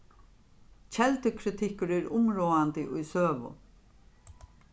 keldukritikkur er umráðandi í søgu